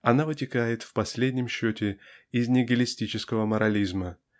Оно вытекает в последнем счете из нигилистического морализма